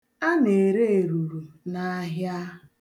A na-ere eruru n'ahịa.